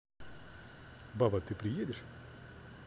баба ты приедешь